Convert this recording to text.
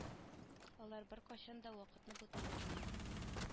Алар беркайчан да вакытны бутамаганнар